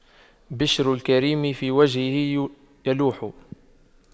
بِشْرُ الكريم في وجهه يلوح